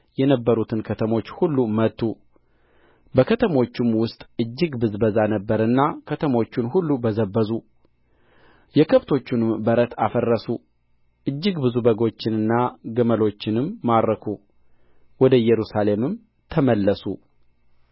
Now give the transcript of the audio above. የነበሩትን ከተሞች ሁሉ መቱ በከተሞቹም ውስጥ እጅግ ብዝበዛ ነበረና ከተሞቹን ሁሉ በዘበዙ የከብቶቹንም በረት አፈረሱ እጅግም ብዙ በጎችንና ግመሎችንም ማረኩ ወደ ኢየሩሳሌምም ተመለሱ